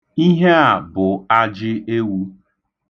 Ihe a bụ ajị ewu.